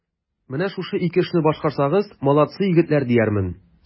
Менә шушы ике эшне башкарсагыз, молодцы, егетләр, диярмен.